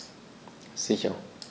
Sicher.